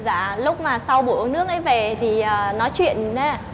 dạ lúc mà sau buổi uống nước ấy về thì nói chuyện á